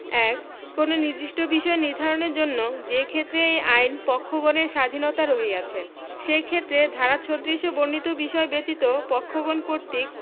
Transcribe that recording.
১ কোন নির্দিষ্ট বিষয় নির্ধারণের জন্য যেইক্ষেত্রে এই আইন পক্ষগণের স্বাধীণতা রহিয়াছে সেইক্ষেত্রে ধারা ৩৬ এ বর্ণিত বিষয় ব্যতীত পক্ষগণ কর্তৃক